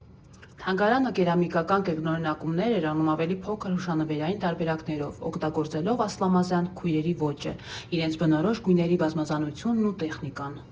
Թանգարանը կերամիկական կրկնօրինակումներ էր անում ավելի փոքր՝ հուշանվերային տարբերակներով՝ օգտագործելով Ասլամազյան քույրերի ոճը, իրենց բնորոշ գույների բազմազանությունն ու տեխնիկան։